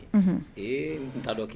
Ee n t' dɔn kɛ